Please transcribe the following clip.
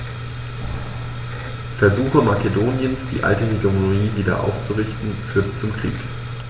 Versuche Makedoniens, die alte Hegemonie wieder aufzurichten, führten zum Krieg.